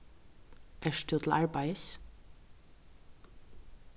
ert tú til arbeiðis